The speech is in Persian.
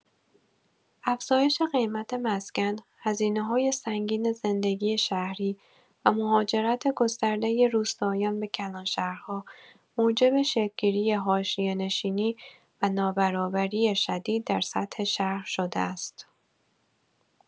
افزایش قیمت مسکن، هزینه‌های سنگین زندگی شهری و مهاجرت گسترده روستاییان به کلانشهرها موجب شکل‌گیری حاشیه‌نشینی و نابرابری شدید در سطح شهر شده است.